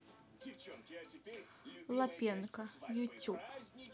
лапенко ютуб